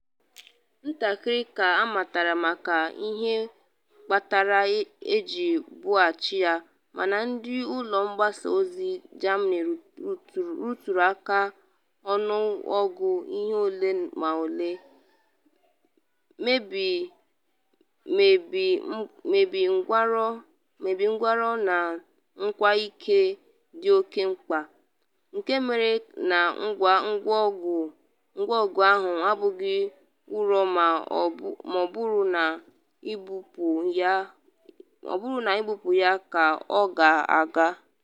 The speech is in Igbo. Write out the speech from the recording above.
Ntakịrị ka amatara maka ihe kpatara eji bughachi ya, mana ndị ụlọ mgbasa ozi Germany rụtụrụ aka ọnụọgụ ihe ole ma ole “mmebi ngwanro na ngwaike “ dị oke mkpa, nke mere na ngwa ọgụ ahụ abaghị uru ma ọ bụrụ na-ebupu ya ka ọ gaa agha.